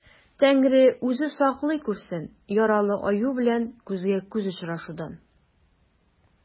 Тәңре үзе саклый күрсен яралы аю белән күзгә-күз очрашудан.